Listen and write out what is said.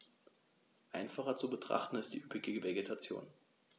Einfacher zu betrachten ist die üppige Vegetation.